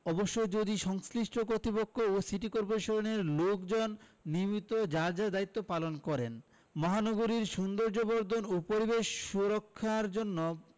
অবশ্য যদি সংশ্লিষ্ট কর্তৃপক্ষ ও সিটি কর্পোরেশনের লোকজন নিয়মিত যার যার দায়িত্ব পালন করেন মহানগরীর সৌন্দর্যবর্ধন ও পরিবেশ সুরক্ষার জন্য